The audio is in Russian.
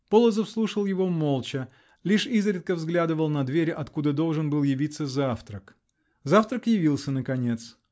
Полозов слушал его молча, лишь изредка взглядывая на дверь, откуда должен был явиться завтрак. Завтрак явился наконец.